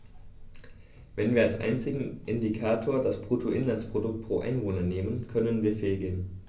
Wenn wir als einzigen Indikator das Bruttoinlandsprodukt pro Einwohner nehmen, können wir fehlgehen.